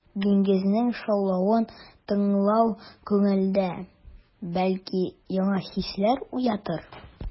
Диңгезнең шаулавын тыңлау күңелдә, бәлки, яңа хисләр уятыр.